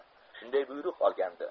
shunday buyruq olgandi